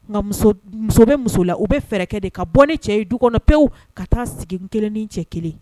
Ŋa muso d muso be muso la u bɛ fɛrɛ kɛ de ka bɔ ni cɛ ye du kɔnɔ pewu ka taa sigi n 1 ni n cɛ 1